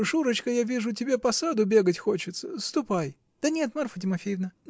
Шурочка, я вижу, тебе по саду бегать хочется. Ступай. -- Да нет, Марфа Тимофеевна.